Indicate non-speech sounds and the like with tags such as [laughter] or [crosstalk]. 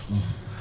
[hesitation] [hesitation]